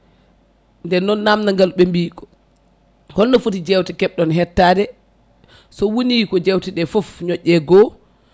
nden noon namdal ngal ɓe mbi ko holno footi jewte kebɗon hettade so woni ko jewteɗe foof ñoƴƴe goho